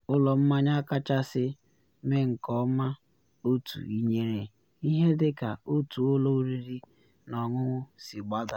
Ụlọ mmanya kachasị mee nke ọma otu yitere ihe dị ka otu ụlọ oriri na ọṅụṅụ si gbadaa.